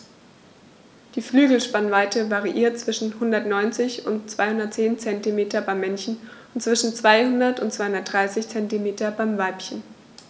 Die Flügelspannweite variiert zwischen 190 und 210 cm beim Männchen und zwischen 200 und 230 cm beim Weibchen.